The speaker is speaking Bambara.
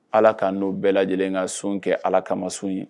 Ala ka n'o bɛɛ lajɛlen ka sun kɛ ala kama ye